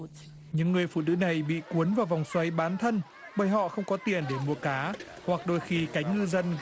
những người phụ nữ này bị cuốn vào vòng xoáy bán thân bởi họ không có tiền để mua cá hoặc đôi khi cánh ngư dân